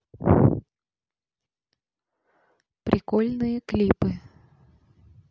прикольные клипы